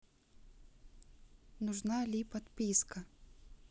нужна ли подписка